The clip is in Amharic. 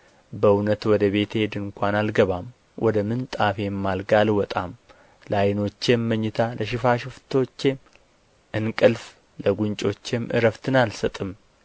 በእውነት ወደ ቤቴ ድንኳን አልገባም ወደ ምንጣፌም አልጋ አልወጣም ለዓይኖቼም መኝታ ለሽፋሽፍቶቼም እንቅልፍ ለጕንጮቼም ዕረፍትን አልሰጥም